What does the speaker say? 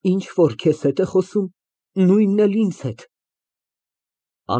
Ինչ որ քեզ հետ է խոսում, նույնն էլ ինձ հետ։